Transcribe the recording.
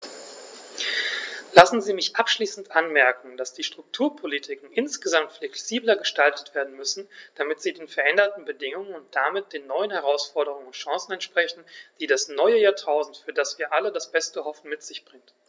Lassen Sie mich abschließend anmerken, dass die Strukturpolitiken insgesamt flexibler gestaltet werden müssen, damit sie den veränderten Bedingungen und damit den neuen Herausforderungen und Chancen entsprechen, die das neue Jahrtausend, für das wir alle das Beste hoffen, mit sich bringt.